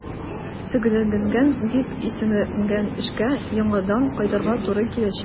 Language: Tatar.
Төгәлләнгән дип исәпләнгән эшкә яңадан кайтырга туры киләчәк.